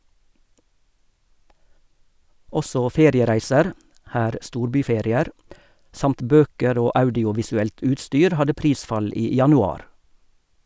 Også feriereiser, her storbyferier, samt bøker og audiovisuelt utstyr hadde prisfall i januar.